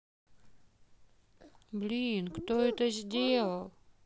блин кто это сделал